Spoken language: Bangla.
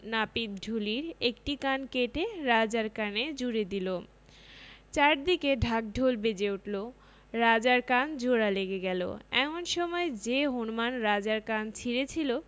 নাপিত ঢুলির একটি কান কেটে রাজার কানে জুড়ে দিল চারদিকে ঢাক ঢোল বেজে উঠল রাজার কান জোড়া লেগে গেল এমন সময় যে হনুমান রাজার কান ছিঁড়েছিল